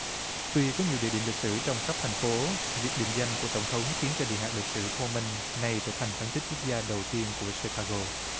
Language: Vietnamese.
tuy có nhiều địa điểm lịch sử trong khắp thành phố việc định danh của tổng thống khiến cho địa danh lịch sử hô mân này trở thành thánh tích quốc gia đầu tiên của chi ca gô